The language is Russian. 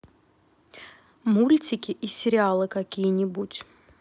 мультики и сериалы какие нибудь